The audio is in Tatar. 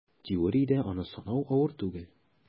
Теориядә аны санау авыр түгел: